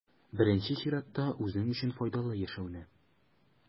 Беренче чиратта, үзең өчен файдалы яшәүне.